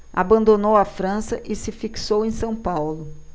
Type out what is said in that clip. abandonou a frança e se fixou em são paulo